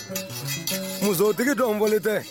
Musotigi dɔrɔn boli tɛ